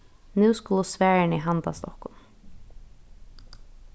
nú skulu svarini handast okkum